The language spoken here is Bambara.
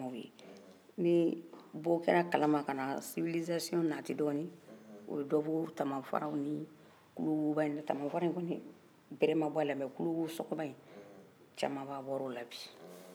tamafara in kɔni bɛrɛ ma bɔ a la nka tulowosɔgɔba in caamaba bɔra o la bi ɔɔ caama bɔra o la bi